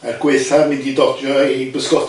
Er gweutha mynd i dojo i sgota.